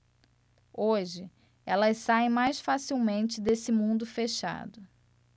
hoje elas saem mais facilmente desse mundo fechado